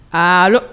Aa